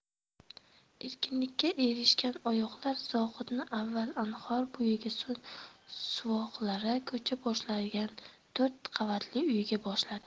erkinlikka erishgan oyoqlar zohidni avval anhor bo'yiga so'ng suvoqlari ko'cha boshlagan to'rt qavatli uyga boshladi